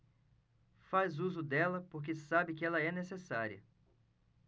faz uso dela porque sabe que ela é necessária